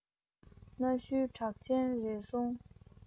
གནའ ཤུལ གྲགས ཅན རེད གསུངས